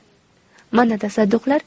mana tasadduqlar